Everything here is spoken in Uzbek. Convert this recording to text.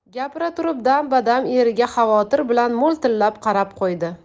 gapira turib dam badam eriga xavotir bilan mo'ltillab qarab qo'ydi